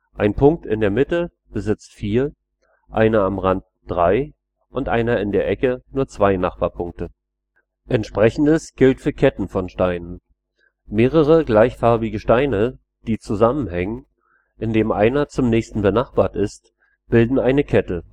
Ein Punkt in der Mitte besitzt vier, einer am Rand drei und einer in der Ecke nur zwei Nachbarpunkte. Das nebenstehende Bild zeigt vier einzelne schwarze Steine, die nur noch eine Freiheit haben (durch ein Quadrat gekennzeichnet). Entsprechendes gilt für Ketten von Steinen. Mehrere gleichfarbige Steine, die zusammenhängen, indem einer zum nächsten benachbart ist, bilden eine Kette